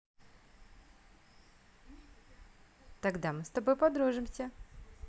тогда мы с тобой подружимся